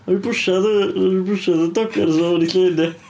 Wnewn ni pwsio the pwsio the doggers i fewn i'r llyn ia?